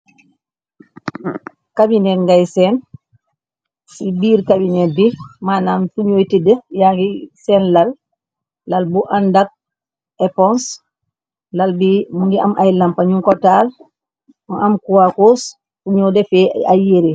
Kabinet ngay seen ci biir kabinet bi manam fuñuy tidd yaangi seen lal lal bu andak epons amu ngi am ay lampañu kotaal am kuwakos kuñoo defeeay yéere.